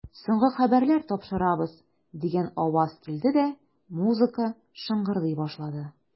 Соңгы хәбәрләр тапшырабыз, дигән аваз килде дә, музыка шыңгырдый башлады.